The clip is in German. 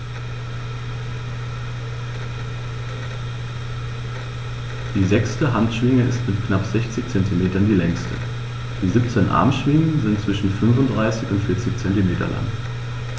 Die sechste Handschwinge ist mit knapp 60 cm die längste. Die 17 Armschwingen sind zwischen 35 und 40 cm lang.